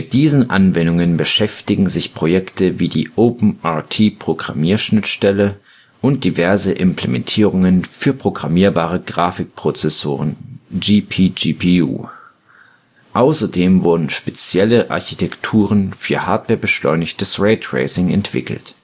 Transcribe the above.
diesen Anwendungen beschäftigen sich Projekte wie die OpenRT-Programmierschnittstelle und diverse Implementierungen für programmierbare Grafikprozessoren (GPGPU). Außerdem wurden spezielle Architekturen für hardwarebeschleunigtes Raytracing entwickelt